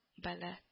Бәла